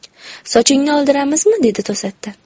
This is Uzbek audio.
sochingni oldiramizmi dedi to'satdan